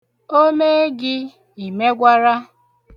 O mee gị, ị megwara!